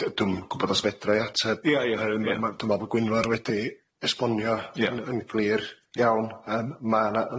D- Dwi'm yn gwbo os fedrai ateb, ia ia oher- ma ma dwi'n meddwl fod Gwynfor di esbonio yn yn glir iawn yym ond ma na,